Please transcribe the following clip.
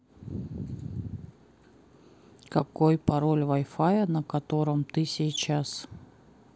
какой пароль вайфая на котором ты сейчас